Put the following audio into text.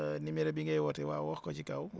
numéro bi ngay wootee waaw wax ko si kaw